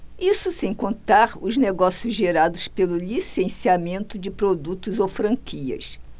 isso sem contar os negócios gerados pelo licenciamento de produtos ou franquias